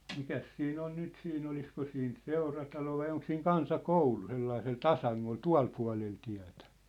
mikäs siinä on nyt siinä olisiko siinä seuratalo vai onko siinä kansakoulu sellaisella tasangolla tuolla puolella tietä